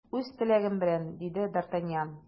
Үз теләгем белән! - диде д’Артаньян.